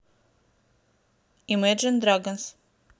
имеджин драгонс